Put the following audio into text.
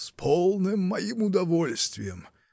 — С полным моим удовольствием!.